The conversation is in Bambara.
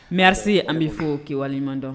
Mɛrise an bɛ fɔ kibawaleɲuman dɔn